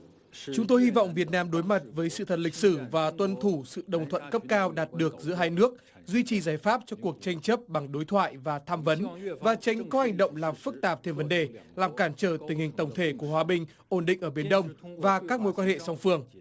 chúng tôi hy vọng việt nam đối mặt với sự thật lịch sử và tuân thủ sự đồng thuận cấp cao đạt được giữa hai nước duy trì giải pháp cho cuộc tranh chấp bằng đối thoại và tham vấn và tránh có hành động làm phức tạp thêm vấn đề làm cản trở tình hình tổng thể của hòa bình ổn định ở biển đông và các mối quan hệ song phương